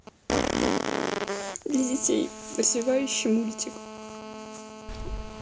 для детей развивающий мультик